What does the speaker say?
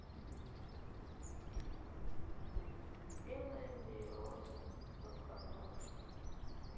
белая береза под гармошку